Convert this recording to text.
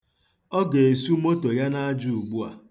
Ọ ga-esu moto ya n'aja ugbua.